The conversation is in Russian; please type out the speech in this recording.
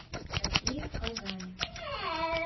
какие в казани